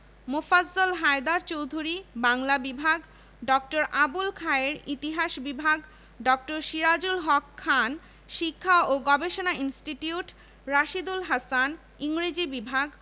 মুসলিম সংখ্যাগুরু পূর্ববাংলা ও আসাম প্রদেশের জনগণের মনে এক নতুন আশা ও উদ্দীপনার সঞ্চার হয় কিন্তু মাত্র ছয় বছরের ব্যবধানে